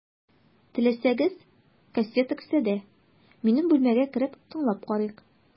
Теләсәгез, кассета кесәдә, минем бүлмәгә кереп, тыңлап карыйк.